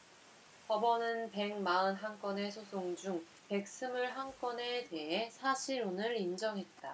법원은 백 마흔 한 건의 소송 중 백 스물 한 건에 대해 사실혼을 인정했다